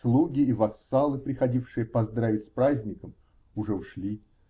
Слуги и вассалы, приходившие поздравить с праздником, уже ушли.